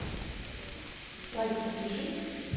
лайк попляши